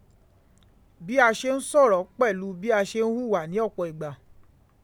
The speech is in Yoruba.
Bí a ṣe ń sọ̀rọ̀ pẹ̀lú bí a ṣe ń hùwà ní ọ̀pọ̀ ìgbà